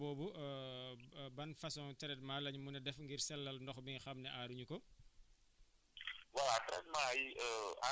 bi ci wàllu traitement boobu ban façon traitement la ñu mën a def ngir sellal ndox mi nga xam ne aaruñu ko